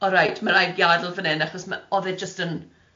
Alright, ma' raid fi adel fan hyn achos ma'- oedd e jyst yn